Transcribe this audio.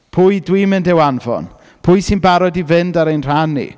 Pwy dwi'n mynd i’w anfon? Pwy sy'n barod i fynd ar ein rhan ni?